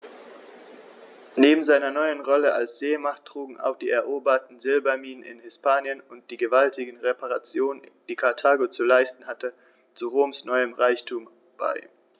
Neben seiner neuen Rolle als Seemacht trugen auch die eroberten Silberminen in Hispanien und die gewaltigen Reparationen, die Karthago zu leisten hatte, zu Roms neuem Reichtum bei.